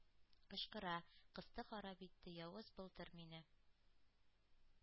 Кычкыра: «Кысты, харап итте явыз «Былтыр» мине,